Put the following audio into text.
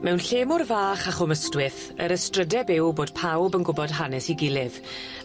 Mewn lle mor fach a Chwm Ystwyth, yr ystrydeb yw bod pawb yn gwbod hanes 'i gilydd.